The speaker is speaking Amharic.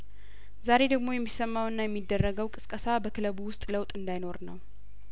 ዛሬ ደግሞ የሚሰማውና የሚደረገው ቅስቀሳ በክለቡ ውስጥ ለውጥ እንዳይኖር ነው